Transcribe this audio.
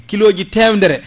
kilo ji temedere